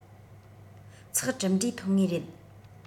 ཚེག གྲུབ འབྲས ཐོབ ངེས རེད